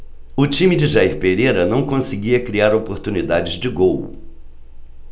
o time de jair pereira não conseguia criar oportunidades de gol